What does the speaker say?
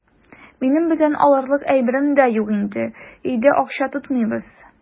Минем бүтән алырлык әйберем дә юк инде, өйдә акча тотмыйбыз.